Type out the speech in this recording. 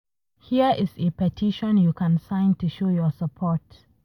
Here is a petition you can sign to show your support.